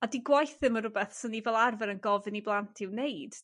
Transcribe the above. A 'di gwaith ddim yn rwbeth 'swn ni fel arfer yn gofyn i blant i'w neud.